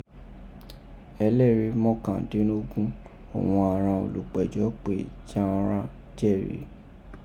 Ẹlẹri mọkandẹ́nnogún òghun àghan olupẹjọ pè ji ghan jẹrii.